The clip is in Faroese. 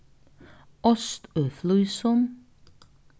ost í flísum